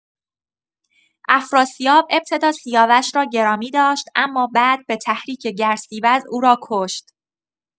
افراسیاب ابتدا سیاوش را گرامی‌داشت اما بعد به تحریک گرسیوز او را کشت.